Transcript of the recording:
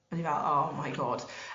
O'n i fel oh my god.